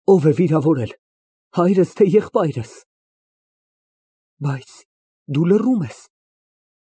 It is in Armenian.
Ո՞վ է վիրավորել։ Հա՞յրս, թե՞ եղբայրս։ (Դադար) Բայց դու լռում ես։